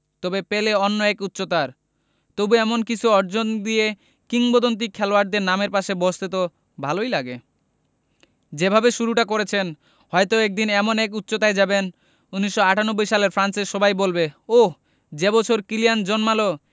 তবে পেলে অন্য এক উচ্চতার তবু এমন কিছু অর্জন দিয়ে কিংবদন্তি খেলোয়াড়দের নামের পাশে বসতে তো ভালোই লাগে যেভাবে শুরুটা করেছেন হয়তো একদিন এমন এক উচ্চতায় যাবেন ১৯৯৮ বলতে ফ্রান্সের সবাই বলবে ওহ্ যে বছর কিলিয়ান জন্মাল